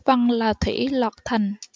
vân là thủy lạc thành